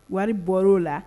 Wari bɔra o la